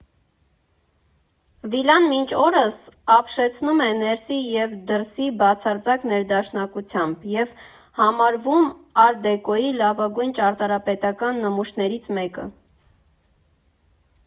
Վիլան մինչ օրս ապշեցնում է ներսի և դրսի բացարձակ ներդաշնակությամբ և համարվում ար֊դեկոյի լավագույն ճարտարապետական նմուշներից մեկը։